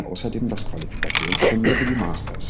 außerdem das Qualifikationsturnier für das Masters